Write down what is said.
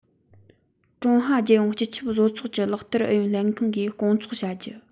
ཀྲུང ཧྭ རྒྱལ ཡོངས སྤྱི ཁྱབ བཟོ ཚོགས ཀྱི ལག བསྟར ཨུ ཡོན ལྷན ཁང གིས སྐོང འཚོགས བྱ རྒྱུ